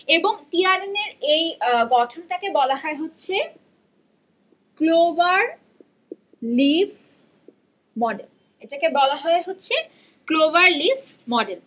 এবং T R N এর এই গঠন টা কে বলা হয় হচ্ছে ক্লোভার লিফ মডেল এটাকে বলা হয় হচ্ছে ক্লোভার লিফ মডেল